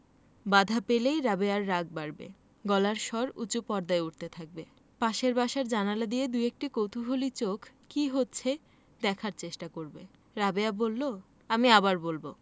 বাধা পেলেই রাবেয়ার রাগ বাড়বে গলার স্বর উচু পর্দায় উঠতে থাকবে পাশের বাসার জানালা দিয়ে দুএকটি কৌতুহলী চোখ কি হচ্ছে দেখতে চেষ্টা করবে রাবেয়া বললো আমি আবার বলবো